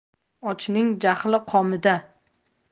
ochning jahli qomida